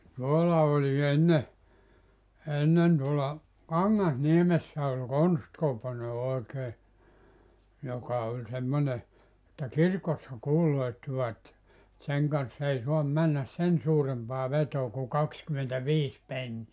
tuolla oli ennen ennen tuolla Kangasniemessä oli Konsti-Koponen oikein joka oli semmoinen että kirkossa kuuluttivat että sen kanssa ei saa mennä sen suurempaa vetoa kuin kaksikymmentäviisi penniä